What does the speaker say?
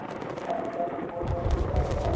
hazillashib bo'lmaydi bular bilan